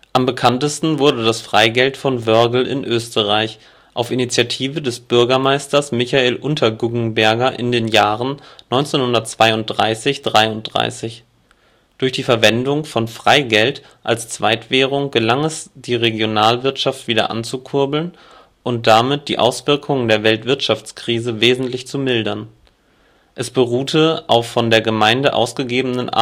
Am bekanntesten wurde das Freigeld von Wörgl in Österreich auf Initiative des Bürgermeisters Michael Unterguggenberger in den Jahren 1932 / 33. Durch die Verwendung von Freigeld als Zweitwährung gelang es die Regionalwirtschaft wieder anzukurbeln und damit die Auswirkungen der Weltwirtschaftskrise wesentlich zu mildern. Es beruhte auf von der Gemeinde ausgegebenen